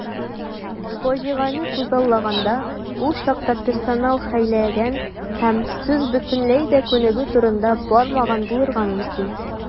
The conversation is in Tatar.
Фаҗигане күзаллаганда, ул чакта персонал хәйләләгән һәм сүз бөтенләй дә күнегү турында бармаган булырга мөмкин.